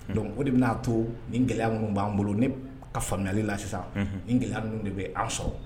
Donc o de bɛna'a to ni gɛlɛya minnu b'an bolo ne ka faamuyali la sisan ni gɛlɛya ninnu de bɛ' sɔrɔ